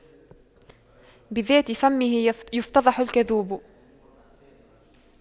بذات فمه يفتضح الكذوب